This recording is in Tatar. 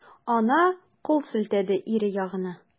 Ана кул селтәде ире ягына.